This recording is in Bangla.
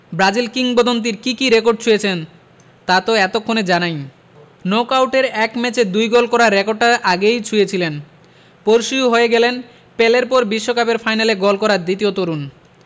ব্রাজিল কিংবদন্তির কী কী রেকর্ড ছুঁয়েছেন তা তো এতক্ষণে জানাই নকআউটের এক ম্যাচে ২ গোল করার রেকর্ডটা আগেই ছুঁয়েছিলেন পরশু হয়ে গেলেন পেলের পর বিশ্বকাপের ফাইনালে গোল করা দ্বিতীয় তরুণ